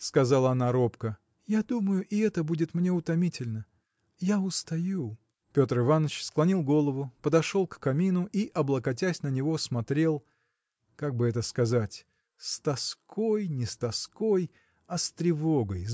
– сказала она робко, – я думаю, и это будет мне утомительно. я устаю. Петр Иваныч склонил голову подошел к камину и облокотясь на него смотрел. как бы это сказать? с тоской не с тоской а с тревогой